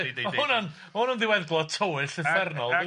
Ma' hwnna'n, ma' hwnna'n ddiweddglo tywyll, uffernol yndi?